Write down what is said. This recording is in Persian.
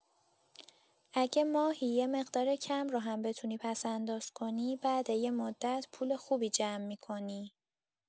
اگه ماهی یه مقدار کم رو هم بتونی پس‌انداز کنی، بعد یه مدت پول خوبی جمع می‌کنی.